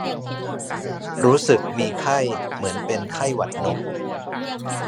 รู้สึกมีไข้เหมือนเป็นไข้หวัดนก